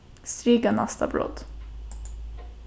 strika næsta brot